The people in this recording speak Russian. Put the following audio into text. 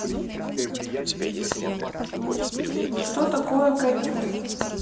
что такое covid